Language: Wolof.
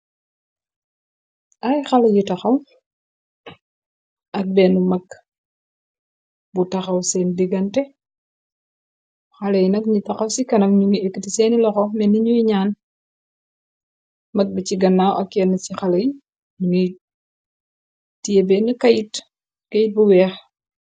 Ay xale yi taxaw ak benn mag bu taxaw seen digante. Xale yi nak ñyu taxaw ci kanam ñu ngu ekkti seeni loxo menni ñuy nyaan. Mag bi ci gannaaw ak yenn ci xaley nyu nguy tiyé benn kayit bu weex.